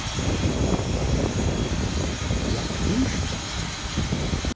я пышка